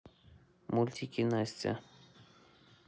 мультики настя